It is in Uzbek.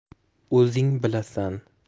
o'zing bilasan